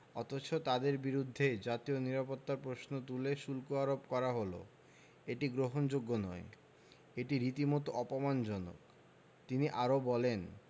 অথচ তাঁদের বিরুদ্ধেই জাতীয় নিরাপত্তার প্রশ্ন তুলে শুল্ক আরোপ করা হলো এটি গ্রহণযোগ্য নয় এটি রীতিমতো অপমানজনক তিনি আরও বলেন